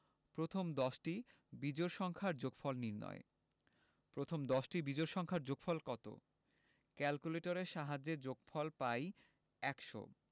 প্রথম দশটি বিজোড় সংখ্যার যোগফল নির্ণয় প্রথম দশটি বিজোড় সংখ্যার যোগফল কত ক্যালকুলেটরের সাহায্যে যোগফল পাই ১০০